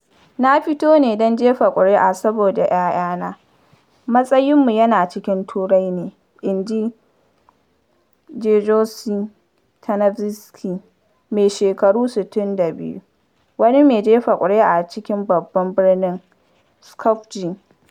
“Na fito ne don jefa kuri’a saboda ‘ya’yana, matsayinmu yana cikin Turai ne,” inji Gjose Tanevski, mai shekaru 62, wani mai jefa kuri’a cikin babban birnin, Skopje.